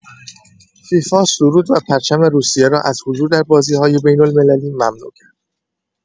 فیفا سرود و پرچم روسیه را از حضور در بازی‌های بین‌المللی ممنوع کرد.